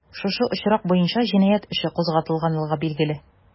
Шушы очрак буенча җинаять эше кузгатылганлыгы билгеле.